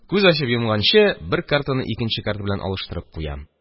Күз ачып йомганчы бер картаны икенче карта белән алыштырып куям.